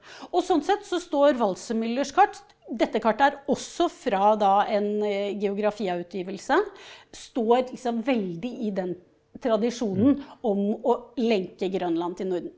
og sånn sett så står Waldseemüllers kart, dette kartet er også fra da en Geografia-utgivelse, står liksom veldig i den tradisjonen om å lenke Grønland til Norden.